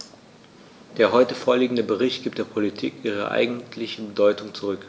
Der heute vorliegende Bericht gibt der Politik ihre eigentliche Bedeutung zurück.